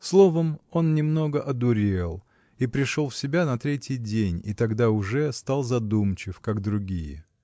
Словом, он немного одурел и пришел в себя на третий день — и тогда уже стал задумчив, как другие.